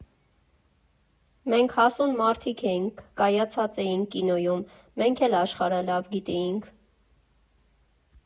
Մենք հասուն մարդիկ էինք, կայացած էինք կինոյում, մենք էլ աշխարհը լավ գիտեինք։